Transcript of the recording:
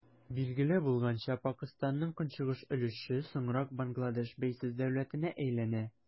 Билгеле булганча, Пакыстанның көнчыгыш өлеше соңрак Бангладеш бәйсез дәүләтенә әйләнә.